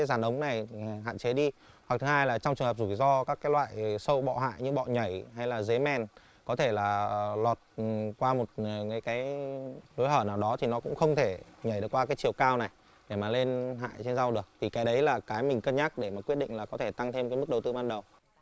dàn ống này hạn chế đi vào thứ hai là trong trường hợp rủi ro các loại sâu bọ hại như bọ nhảy hay là dế mèn có thể là lọt qua một cái lối hở nào đó thì nó cũng không thể nhảy qua cái chiều cao này lên hại trên rau được thì cái đấy là cái mình cân nhắc để quyết định là có thể tăng thêm mức đầu tư ban đầu